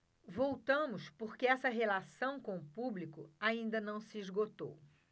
voltamos porque essa relação com o público ainda não se esgotou